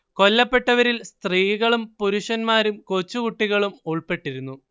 കൊല്ലപ്പെട്ടവരിൽ സ്ത്രീകളും പുരുഷന്മാരും കൊച്ചു കുട്ടികളും ഉൾപ്പെട്ടിരുന്നു